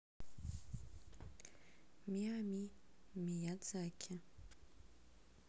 miami миядзаки